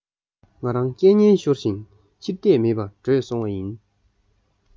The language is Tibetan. ང རང སྐད ངན ཤོར བཞིན ཕྱིར ལྟས མེད པར བྲོས སོང བ ཡིན